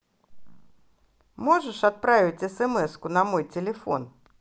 можешь отправить смску на мой телефон